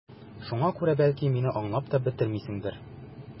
Шуңа күрә, бәлки, мине аңлап та бетермисеңдер...